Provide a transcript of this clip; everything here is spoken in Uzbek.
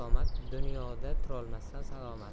nadomat dunyoda turolmassan salomat